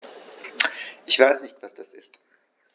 Ich weiß nicht, was das ist.